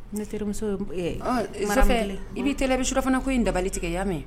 Nemuso i b'i t i suɔfana ko in dabali tigɛ yaa mɛn